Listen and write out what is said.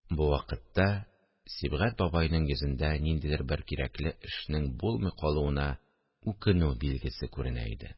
Бу вакытта Сибгать бабайның йөзендә ниндидер бер кирәкле эшнең булмый калуына үкенү билгесе күренә иде